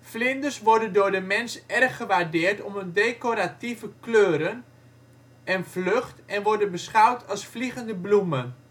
Vlinders worden door de mens erg gewaardeerd om hun decoratieve kleuren en vlucht en worden beschouwd als ' vliegende bloemen